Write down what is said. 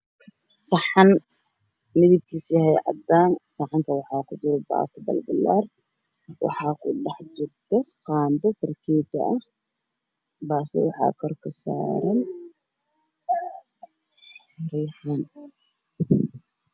Saxan midabkiisu yahay cadaan Saxanka waxaa ku jira baasto balbalaar Waxa ku dhex jirto qaando fargeeto ah baastada waxa kor ka saran ruuxamo